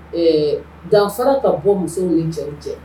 Ɛɛ dansa ka bɔ musow ni cɛ cɛ